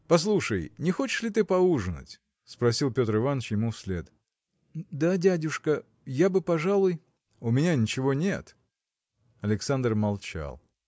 – Послушай, не хочешь ли ты поужинать? – спросил Петр Иваныч ему вслед. – Да, дядюшка. я бы, пожалуй. – У меня ничего нет. Александр молчал.